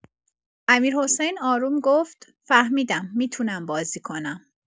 امیرحسین آروم گفت فهمیدم می‌تونم بازی کنم.